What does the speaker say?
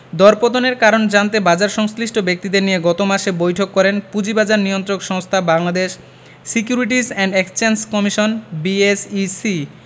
দরপতনের কারণ জানতে বাজারসংশ্লিষ্ট ব্যক্তিদের নিয়ে গত মাসে বৈঠক করেন পুঁজিবাজার নিয়ন্ত্রক সংস্থা Bangladesh securities and exchange commission BSEC